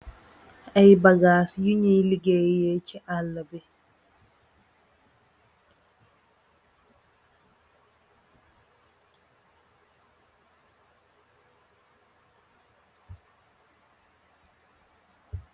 Ay bagaas yi ñoy ligeey yi ci al'labi.